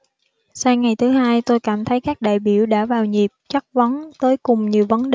sang ngày thứ hai tôi cảm thấy các đại biểu đã vào nhịp chất vấn tới cùng nhiều vấn đề